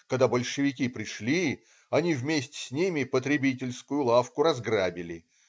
Когда большевики пришли, они вместе с ними потребительскую лавку разграбили.